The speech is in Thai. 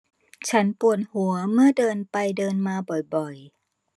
ฉันปวดหัวเมื่อเดินไปเดินมาบ่อยบ่อย